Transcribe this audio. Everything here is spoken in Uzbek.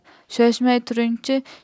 shoshmay turing chi